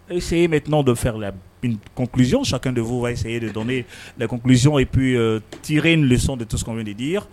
Ɛseyi bɛ tw dɔ fɛ lakunsi sa de fɔ waseyi de dɔn ye lakunkulusi ye peu ye t in leon de tosɔn de di